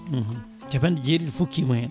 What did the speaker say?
capanɗe jeeɗiɗi fukkima hen